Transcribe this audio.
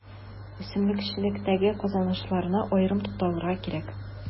Үсемлекчелектәге казанышларына аерым тукталырга кирәк.